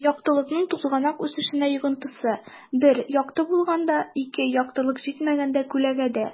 Яктылыкның тузганак үсешенә йогынтысы: 1 - якты булганда; 2 - яктылык җитмәгәндә (күләгәдә)